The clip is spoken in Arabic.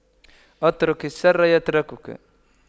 اترك الشر يتركك